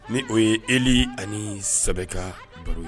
Ni o ye e ani sababu ka baro ye